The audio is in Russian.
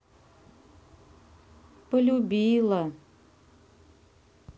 полюбила